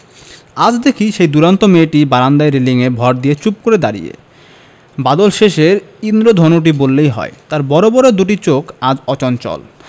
আজ দেখি সেই দূরন্ত মেয়েটি বারান্দায় রেলিঙে ভর দিয়ে চুপ করে দাঁড়িয়ে বাদলশেষের ঈন্দ্রধনুটি বললেই হয় তার বড় বড় দুটি চোখ আজ অচঞ্চল